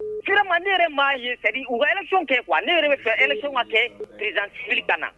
Tilema ne yɛrɛ maa ye sariyari u bɛ efin kɛ kuwa ne yɛrɛ bɛ fɛ e ka kɛ z kana